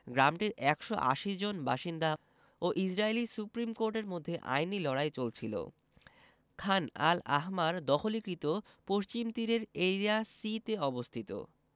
গ্রামটির ১৮০ জন বাসিন্দা ও ইসরাইলি সুপ্রিম কোর্টের মধ্যে আইনি লড়াই চলছিল খান আল আহমার দখলীকৃত পশ্চিম তীরের এরিয়া সি তে অবস্থিত